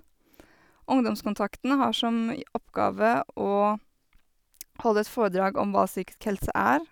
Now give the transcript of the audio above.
Ungdomskontakten har som j oppgave å holde et foredrag om hva psykisk helse er.